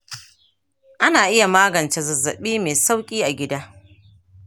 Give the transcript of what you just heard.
ana iya magance zazzabi mai sauƙi a gida.